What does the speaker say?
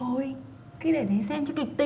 thôi cứ để đấy xem cho kịch tính